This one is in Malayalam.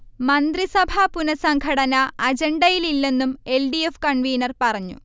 മന്ത്രിസഭ പുനഃസംഘടന അജണ്ടയിലില്ലെന്നും എൽ. ഡി. എഫ്. കൺവീനർ പറഞ്ഞു